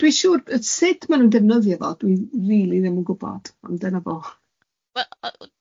Dwi'n siŵr yy sud ma' nw'n defnyddio fo, dwi rili ddim yn gwbod, ond dyna fo.